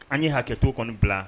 An ye hakɛ to kɔni bila